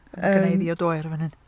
Yym...Ma' gynna i ddiod oer yn fan hyn.